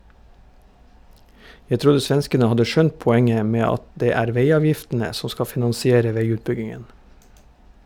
Jeg trodde svenskene hadde skjønt poenget med at det er veiavgiftene som skal finansiere veiutbyggingen.